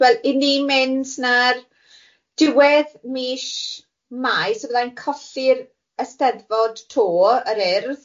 wel i ni mynd na'r diwedd mish Mai so byddai'n colli'r Eisteddfod tô yr Urdd,